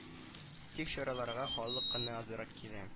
Тик чараларга халык кына азрак килә